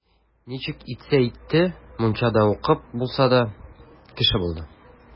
Ничек итсә итте, мунчада укып булса да, кеше булды.